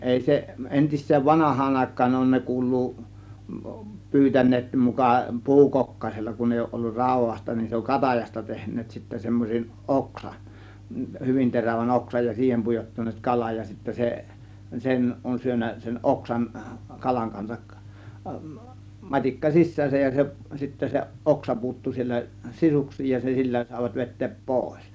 ei se entiseen vanhaan aikaan on ne kuuluu pyytäneet muka puukokkasella kun ei ole ollut raudasta niin se on katajasta tehneet sitten semmoisen oksan hyvin terävän oksan ja siihen pujottaneet kalan ja sitten se sen on syönyt sen oksan kalan kanssa matikka sisäänsä ja se sitten se oksa puuttui siellä sisuksiin ja se sillä saivat vetää pois